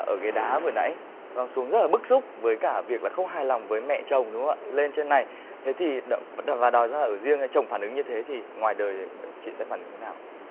ở ghế đá vừa nãy xuống rất là bức xúc với cả việc là không hài lòng với mẹ chồng đúng không ạ lên trên này thế thì và đòi ra ở riêng chồng phản ứng như thế thì ngoài đời chị sẽ phản ứng thế nào